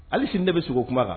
Hali sen de bɛ sogo kuma kan